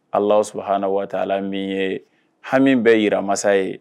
Ala sɔrɔ hauna waati ala min ye hami bɛ yimasa ye